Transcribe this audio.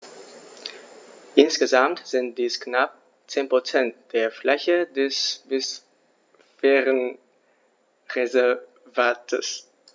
Insgesamt sind dies knapp 10 % der Fläche des Biosphärenreservates.